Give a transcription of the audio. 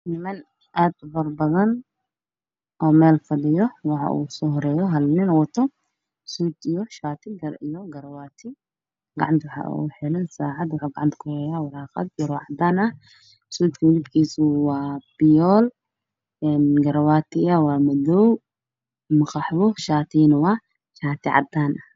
Niman aad ufara badan oo meel fadhiyo waxa usoohoreeyo nin wato saacad